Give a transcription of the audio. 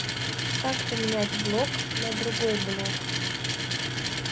как поменять блок на другой блок